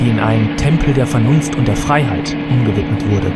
die in einen „ Tempel der Vernunft und der Freiheit “umgewidmet wurde